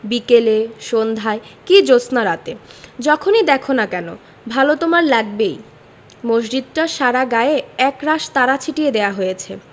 বিকেলে সন্ধায় কি জ্যোৎস্নারাতে যখনি দ্যাখো না কেন ভালো তোমার লাগবেই মসজিদটার সারা গায়ে একরাশ তারা ছিটিয়ে দেয়া হয়েছে